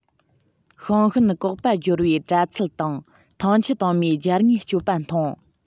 ཤིང ཤུན གོག པ སྦྱོར བའི པྲ ཚིལ དང ཐང ཆུ དྭངས མའི འབྱར དངོས སྤྱོད པ མཐོང